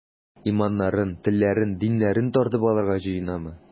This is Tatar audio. Иманнарын, телләрен, диннәрен тартып алырга җыенамы?